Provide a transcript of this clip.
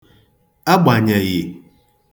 agbànyèghị̀